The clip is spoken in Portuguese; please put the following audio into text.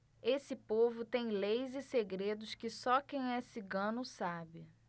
esse povo tem leis e segredos que só quem é cigano sabe